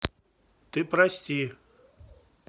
ты прости